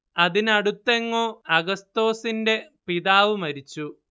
അതിനടുത്തെങ്ങോ അഗസ്തോസിന്റെ പിതാവ് മരിച്ചു